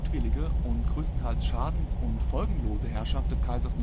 Die gutwillige und größtenteils schadens - und folgenlose Herrschaft des Kaisers